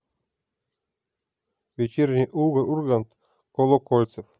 вечерний ургант колокольцев